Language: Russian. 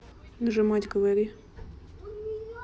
нажимать говори